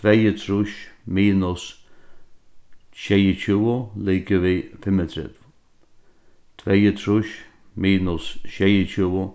tveyogtrýss minus sjeyogtjúgu ligvið fimmogtretivu tveyogtrýss minus sjeyogtjúgu